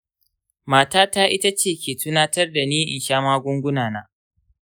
matata ita ce ke tunatar da ni in sha magunguna na.